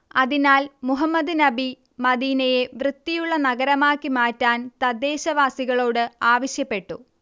അതിനാൽ മുഹമ്മദ് നബി മദീനയെ വൃത്തിയുള്ള നഗരമാക്കി മാറ്റാൻ തദ്ദേശവാസികളോട് ആവശ്യപ്പെട്ടു